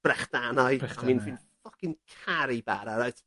brechdanau... Brechdanau ie? ... a fi'n dwi'n fuckin' caru bara reit,